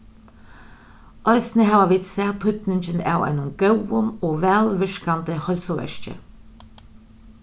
eisini hava vit sæð týdningin av einum góðum og væl virkandi heilsuverki